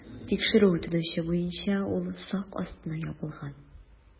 Тикшерү үтенече буенча ул сак астына ябылган.